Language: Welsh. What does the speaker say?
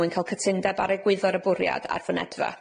mwyn ca'l cytundeb ar egwyddor y bwriad a'r fynedfa.